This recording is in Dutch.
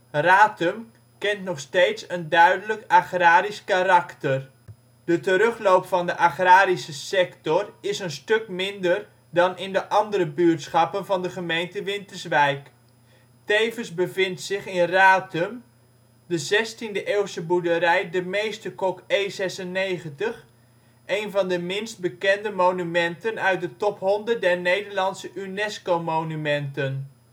Ratum kent nog steeds een duidelijk agrarisch karakter. De terugloop van de agrarische sector is een stuk minder dan in de andere buurtschappen van de gemeente Winterswijk. Tevens bevind zich in Ratum de 16e eeuwse boerderij De Meesterkok E 96, één van de minst bekende monumenten uit de " Top 100 der Nederlandse UNESCO-monumenten